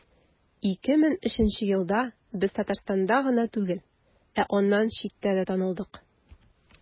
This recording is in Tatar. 2003 елда без татарстанда гына түгел, ә аннан читтә дә танылдык.